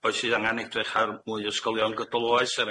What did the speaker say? boi sydd angan edrych ar mwy o ysgolion gydol oes er